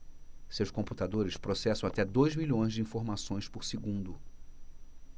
seus computadores processam até dois milhões de informações por segundo